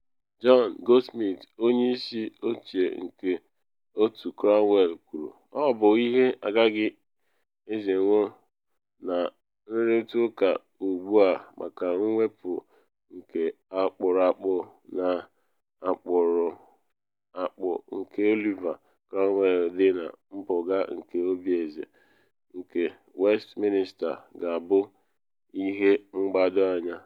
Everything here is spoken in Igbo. John Goldsmith, onye isi oche nke Otu Cromwell, kwuru: “Ọ bụ ihe agaghị ezenwu na nrịrụta ụka ugbu a maka mwepu nke akpụrụakpụ na akpụrụakpụ nke Oliver Cromwell dị na mpụga nke Obieze nke Westminster ga-abụ ihe mgbado anya.